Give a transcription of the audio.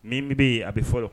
Min bɛ yen a bɛ fɔlɔ